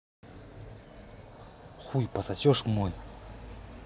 хуй пососешь мой